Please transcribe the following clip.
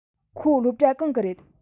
ཁོ སློབ གྲྭ གང གི རེད